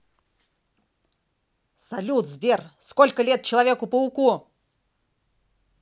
салют сбер сколько лет человеку пауку